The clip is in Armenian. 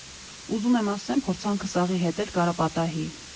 Ուզում եմ ասեմ՝ փորձանքը սաղի հետ էլ կարա պատահի։